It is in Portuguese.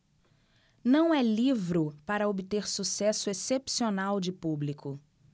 não é livro para obter sucesso excepcional de público